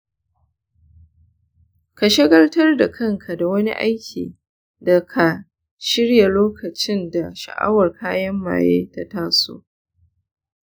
ka shagaltar da kanka da wani aikin da ka shirya lokacin da sha’awar kayan maye ta taso.